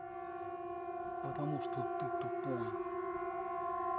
потому что ты тупой